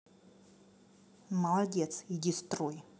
молодец иди строй